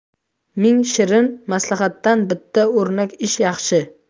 ming shirin maslahatdan bitta o'rnak ish yaxshi